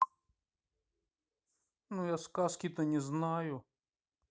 ну я сказки то не знаю